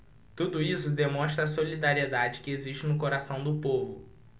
tudo isso demonstra a solidariedade que existe no coração do povo